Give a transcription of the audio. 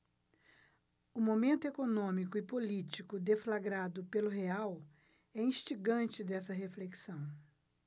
o momento econômico e político deflagrado pelo real é instigante desta reflexão